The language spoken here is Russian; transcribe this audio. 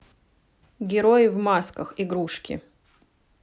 герои в масках игрушки